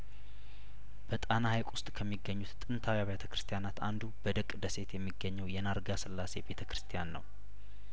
በጣና ሀይቅ ውስጥ ከሚገኙት ጥንታዊ አብያተ ክርስቲያናት አንዱ በደቅ ደሴት የሚገኘው የናርጋ ስላሴ ቤተክርስቲያን ነው